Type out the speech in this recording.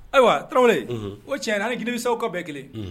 Ayiwa tarawele o tiɲɛɲɛna ani ni gilimikisɛw ka bɛɛ kelen